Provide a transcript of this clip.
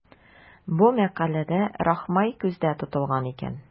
Бу мәкаләдә Рахмай күздә тотылган икән.